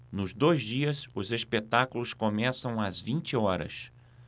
nos dois dias os espetáculos começam às vinte horas